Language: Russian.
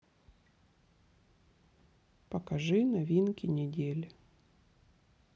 покажи новинки недели